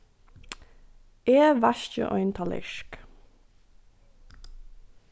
eg vaski ein tallerk